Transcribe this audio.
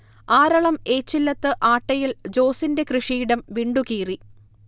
ആറളം ഏച്ചില്ലത്ത് ആട്ടയിൽ ജോസിന്റെ കൃഷിയിടം വിണ്ടുകീറി